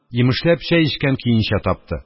Йимешләп чәй эчкән көенчә тапты